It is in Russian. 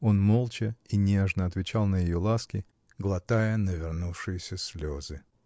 Он молча и нежно отвечал на ее ласки, глотая навернувшиеся слезы.